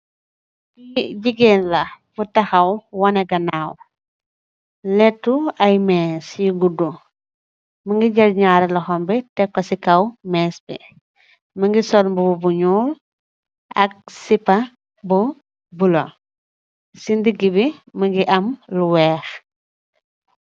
Ki gigeen la bu taxaw waneh ganaw lèttu ay més yu guddu mugii ñaari loxom yi tek ko ci kaw més bi. Mugii sol mbubu bu ñuul ak sipa bu bula ci ndigi bi mugii am lu wèèx.